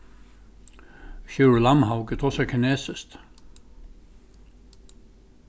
sjúrður lamhauge tosar kinesiskt